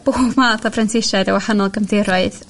bob math o prentisiaid a wahanol gefndiroedd